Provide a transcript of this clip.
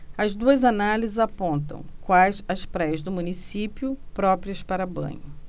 as duas análises apontam quais as praias do município próprias para banho